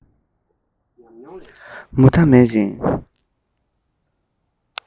མུ མཐའ མེད ཅིང